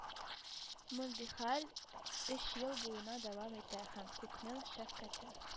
Мондый хәл өч ел буена дәвам итә һәм Күкнең шәфкате